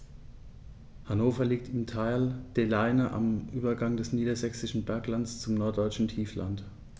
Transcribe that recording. Hannover liegt im Tal der Leine am Übergang des Niedersächsischen Berglands zum Norddeutschen Tiefland.